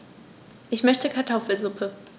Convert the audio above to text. Ich möchte Kartoffelsuppe.